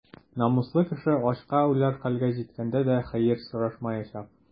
Намуслы кеше ачка үләр хәлгә җиткәндә дә хәер сорашмаячак.